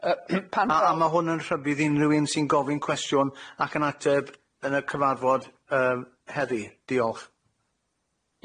Yy pan- A a ma' hwn yn rhybudd i unrhywun sy'n gofyn cwestiwn ac yn ateb yn y cyfarfod yym heddi, diolch.